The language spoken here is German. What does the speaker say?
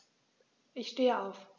Ich stehe auf.